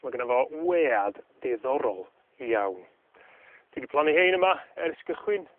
Ma' gynno fo wead diddorol iawn dwi 'di plannu 'hein yma ers gychwyn